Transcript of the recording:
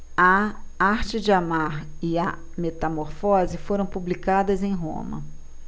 a arte de amar e a metamorfose foram publicadas em roma